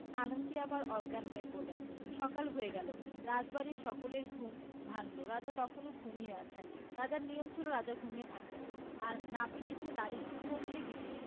পালঙ্কে আবার অজ্ঞান হয়ে পড়লেন সকাল হয়ে গেল রাজবাড়ির সকলের ঘুম ভাঙল রাজা তখনও ঘুমিয়ে আছেন রাজার নিয়ম ছিল রাজা ঘুমিয়ে থাকতেন আর নাপিত এসে দাঁড়ি কমিয়ে দিত